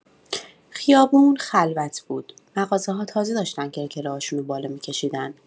خیابون خلوت بود، مغازه‌ها تازه داشتن کرکره‌هاشونو بالا می‌کشیدن.